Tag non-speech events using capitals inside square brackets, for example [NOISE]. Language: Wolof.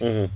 [HESITATION] [HESITATION]